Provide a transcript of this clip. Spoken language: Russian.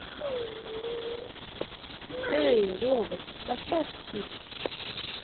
эй робот поставь тит